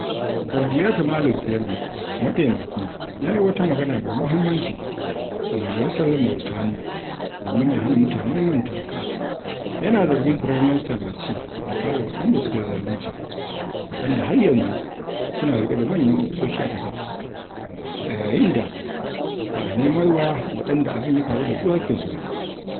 Kardiata Malick Diallo, mataimaki, ya yi wata magana mai muhimmanci a majalisar Mauritaniya domin ya hana mutane mantawa, yana zargin Firaminista mai ci da kare waɗanda suka yi zaluncin, waɗanda har yanzu suna riƙe da manyan ofisoshi a ƙasar, a yayin da ba a nemarwa waɗanda abin ya faru da su haƙƙinsu ba: